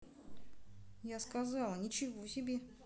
я сказала ничего тебе